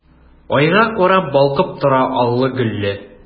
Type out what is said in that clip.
Айга карап балкып тора аллы-гөлле!